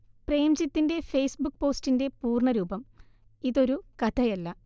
പ്രേംജിത്തിന്റെ Facebook പോസ്റ്റിന്റെ പൂർണ്ണരൂപം, ഇതൊരു കഥയല്ല